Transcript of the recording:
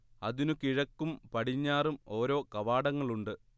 അതിനു കിഴക്കും പടിഞ്ഞാറും ഓരോ കവാടങ്ങളുണ്ട്